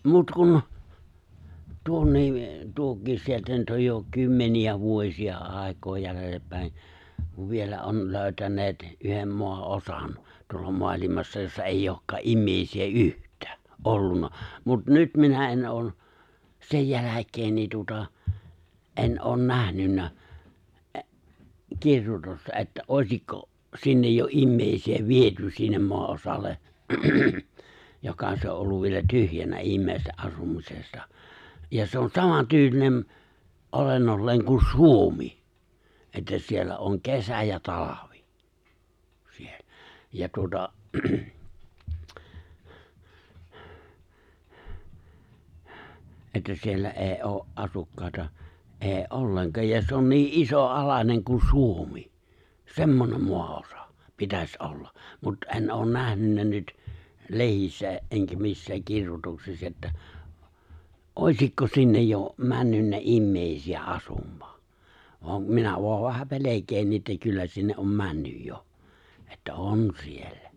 mutta kun tuonne tuokin sieltä nyt on jo kymmeniä vuosia aikaa jäljellä päin kun vielä on löytäneet yhden maanosan tuolla maailmassa jossa ei olekaan ihmisiä yhtään ollut mutta nyt minä en ole sen jälkeen niin tuota en ole nähnyt - kirjoitusta että olisiko sinne jo ihmisiä viety sinne maanosalle joka se on ollut vielä tyhjänä ihmisten asumisesta ja se on samantyylinen olennolleen kuin Suomi että siellä on kesä ja talvi siellä ja tuota että siellä ei ole asukkaita ei ollenkaan ja se on niin isoalainen kuin Suomi semmoinen maanosa pitäisi olla mutta en ole nähnyt nyt lehdissä enkä missään kirjoituksissa että olisiko sinne jo mennyt ihmisiä asumaan vaan minä vain vähän pelkään niin että kyllä sinne on mennyt jo että on siellä